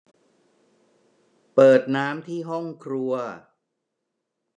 เปิดน้ำที่ห้องครัว